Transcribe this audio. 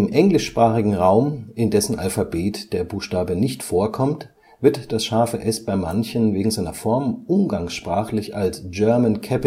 englischsprachigen Raum, in dessen Alphabet der Buchstabe nicht vorkommt, wird das ß bei manchen wegen seiner Form umgangssprachlich als German B